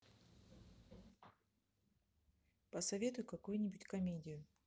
посоветуй какую нибудь комедию